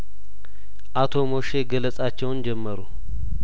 አቶ ሞሼ ገለጻቸውን ጀመሩ